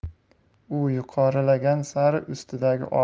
u yuqorilagan sari ustidagi og'ir